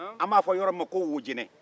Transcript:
an b'a fɔ yɔrɔ min ma ko wojɛnɛ